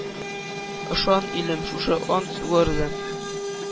Ышан, илем, шушы ант сугарды